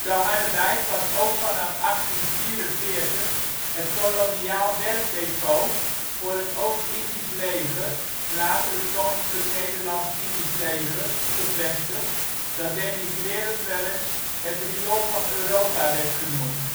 Harderwijk was ook vanaf 1844 het Koloniaal Werfdepot voor het Oost-Indisch Leger (later Koninklijk Nederlandsch-Indisch Leger) gevestigd, dat denigrerend weleens " het riool van Europa " werd genoemd